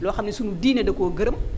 loo xam ni sunu diine dakoo gërëm